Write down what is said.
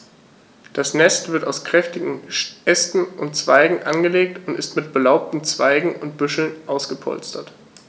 Das Nest wird aus kräftigen Ästen und Zweigen angelegt und mit belaubten Zweigen und Büscheln ausgepolstert.